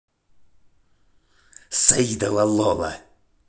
саидова лола